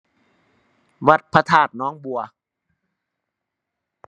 วัดพระธาตุหนองบัว